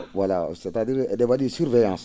voilà c' dire e?e wa?i surveillance